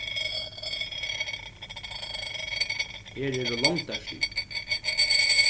her eru longdarstig